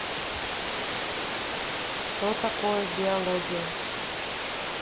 что такое биология